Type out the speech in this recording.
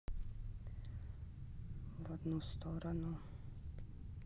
в одну сторону